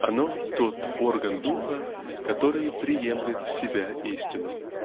Оно --тот орган духа, который приемлет в себя истину.